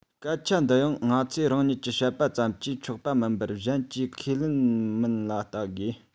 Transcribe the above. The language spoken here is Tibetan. སྐད ཆ འདི ཡང ང ཚོ རང ཉིད ཀྱིས བཤད པ ཙམ གྱིས ཆོག པ མིན པར གཞན གྱིས ཁས ལེན མིན ལ བལྟ དགོས